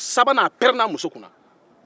a pɛrɛnna a muso kun na sabanan